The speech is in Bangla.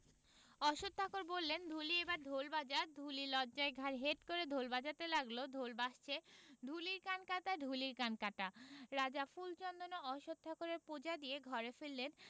অশ্বথ ঠাকুর বললে ঢুলি এইবার ঢোল বাজা ঢুলি লজ্জায় ঘাড় হেট করে ঢোল বাজাতে লাগলঢোল বাজছে ঢুলির কান কাটা ঢুলির কান কাটা রাজা ফুল চন্দনে অশ্বত্থ ঠাকুরের পুজো দিয়ে ঘরে ফিরলেন